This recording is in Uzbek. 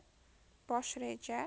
bosh reja